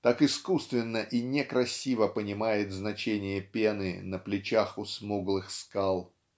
так искусственно и некрасиво понимает значение пены на плечах у смуглых скал?